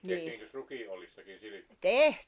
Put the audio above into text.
tehtiinkös rukiinoljistakin silpuksia